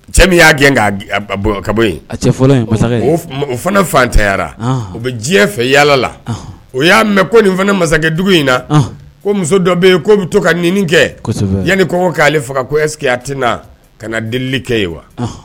Cɛ min y'a gɛn ka o fana fantanyara u bɛ diɲɛ fɛ yalalala o y'a mɛn ko nin fana masakɛdugu in na ko muso dɔ bɛ' bɛ to ka nin kɛ yanani ko'ale faga ko ɛsekeyat na ka na dili kɛ ye wa